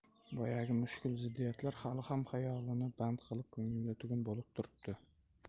boyagi mushkul ziddiyatlar hali ham xayolini band qilib ko'nglida tugun bo'lib turibdi